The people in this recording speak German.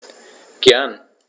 Gern.